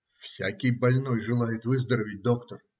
- Всякий больной желает выздороветь, доктор.